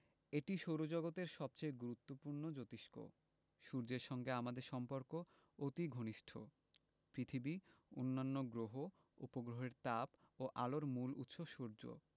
এটি সৌরজগতের সবচেয়ে গুরুত্বপূর্ণ জোতিষ্ক সূর্যের সঙ্গে আমাদের সম্পর্ক অতি ঘনিষ্ট পৃথিবী অন্যান্য গ্রহ উপগ্রহের তাপ ও আলোর মূল উৎস সূর্য